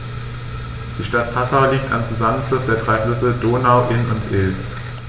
Die Stadt Passau liegt am Zusammenfluss der drei Flüsse Donau, Inn und Ilz.